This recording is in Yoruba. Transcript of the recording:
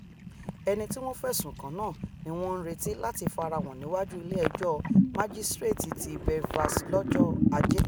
Ẹnití wọn fẹ̀sùn kàn náà níwọn ńretí láti farahàn níwájú Ilé Ẹjọ́ Majisireti ti Belfast lọ́jọ́ Ajé.